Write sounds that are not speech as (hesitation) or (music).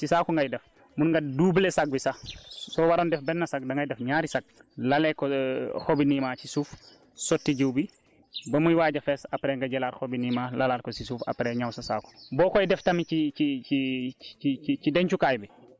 xob yooyu noonu mun nañ ko jëfandikoo saa yooy denc bu fekkente ne si saako ngay def mun nga doubler saag bi sax soo waroon def benn sac dangay def ñaari sacs lalee ko (hesitation) xobu niimaa ci suuf sotti jiw bi ba muy waaj a fees après nga jëlaat xobu niimaa lalaat ko si suuf après ñaw sa saako